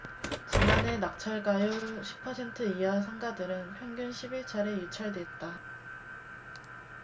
지난해 낙찰가율 십 퍼센트 이하 상가들은 평균 십 일 차례 유찰됐다